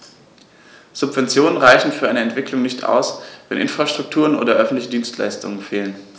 Subventionen reichen für eine Entwicklung nicht aus, wenn Infrastrukturen oder öffentliche Dienstleistungen fehlen.